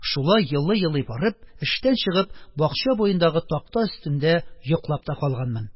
Шулай елый-елый барып, эштән чыгып, бакча буендагы такта өстендә йоклап та калганмын.